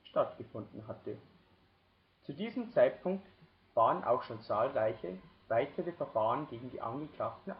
stattgefunden hatte. Zu diesem Zeitpunkt waren auch schon zahlreiche weitere Verfahren gegen die Angeklagten